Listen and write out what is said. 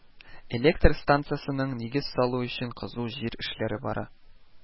Электр станцасының нигезен салу өчен кызу җир эшләре бара